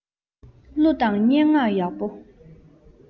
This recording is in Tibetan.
གླུ དང སྙན ངག ཡག པོ